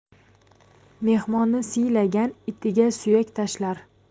mehmonni siylagan itiga suyak tashlar